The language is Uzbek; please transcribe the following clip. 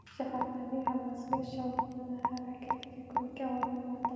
shaharlarning havosiga shovqiniga harakatiga ko'nika olmadim